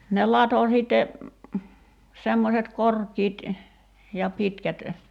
ne latoi sitten semmoiset korkit ja pitkät